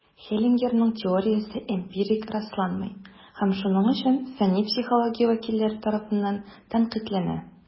Хеллингерның теориясе эмпирик расланмый, һәм шуның өчен фәнни психология вәкилләре тарафыннан тәнкыйтьләнә.